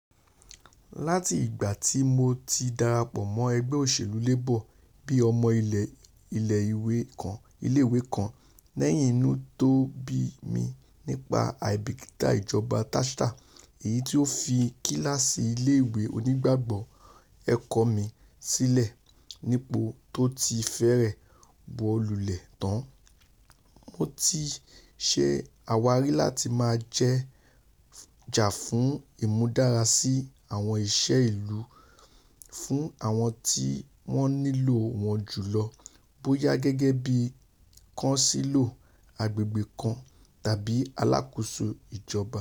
Láti ìgbà tí Mo ti darapọ̀ mọ́ ẹgbẹ́ òṣèlú Labour bí ọmọ ilé ìwé kan, lẹ́yìn inú tó bí mi nípa àìbìkítà ìjọba Thatcher èyití ó fi kíláàsì ilé-ìwé onígbogbo-ẹ̀kọ́ mi sílẹ̀ nípò tóti fẹ́rẹ̀ wólulẹ̀ tán, Mo ti ṣe àwárí láti máa jà fún ìmúdára síi àwọn iṣẹ́ ìlú fún àwọn tí wọ́n nílò wọn jùlọ - bóyá gẹ́gẹ́bí káńsílọ̀ agbègbè kan tàbí aláàkóso ìjọba.